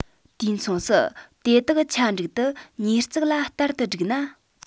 དུས མཚུངས སུ དེ དག ཆ འགྲིག ཏུ ཉིས རྩེག ལ བསྟར དུ བསྒྲིགས ན